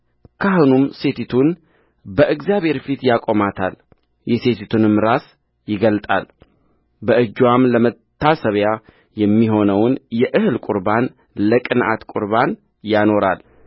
ካህኑም ሴቲቱን በእግዚአብሔር ፊት ያቆማታል የሴቲቱንም ራስ ይገልጣል በእጅዋም ለመታሰቢያ የሚሆነውን የእህል ቍርባን ለቅንዓት ቍርባን ያኖራል